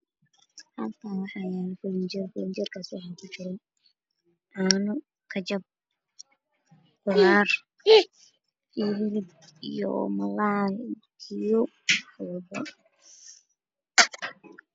Halkan waxa yaalo falinjeer waxa ku jiro caano kajab hilib khudaar iyo malaay